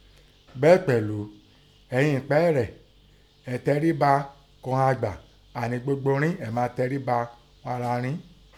Bẹ́ẹ̀ pẹ̀lú, ẹ̀hin ẹ̀pẹ̀rẹ̀, ẹ̀ tẹriba kò ìghan àgbà. Àní gbogbo rin ín, ẹ̀ ma tẹríbàri kò ara rin ín